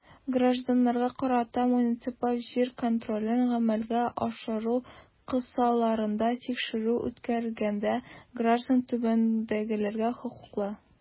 Гражданнарга карата муниципаль җир контролен гамәлгә ашыру кысаларында тикшерү үткәргәндә граждан түбәндәгеләргә хокуклы.